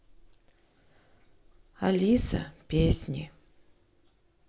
алиса песни